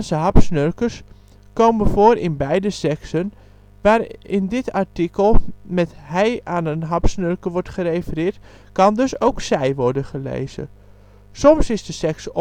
hapsnurkers komen voor in beide seksen. Waar in dit artikel met hij aan een hapsnurker wordt gerefereerd, kan dus ook zij worden gelezen. Soms is de sekse